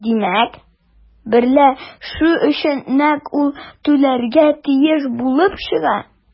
Димәк, берләшү өчен нәкъ ул түләргә тиеш булып чыга.